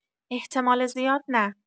احتمال زیاد نه.